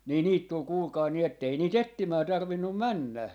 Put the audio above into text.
niin niitä tuli kuulkaa niin että ei niitä etsimään tarvinnut mennä